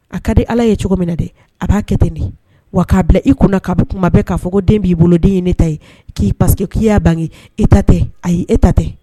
A ka di ala ye cogo min na dɛ a b'a kɛ ten nin wa k'a bila i kunna k'abi kuma bɛɛ k'a fɔ ko den b'i boloden ye ne ta ye k'i paseke k'i y'a bange e ta tɛ ayi e ta tɛ